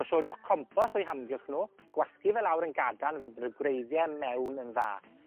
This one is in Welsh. gosodwch compost o'u hamgylch nw. Gwasgu fe lawr yn gadarn fel bod y gwreiddie mewn yn dda.